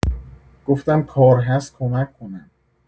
گفتم کار هست کمک کنم؟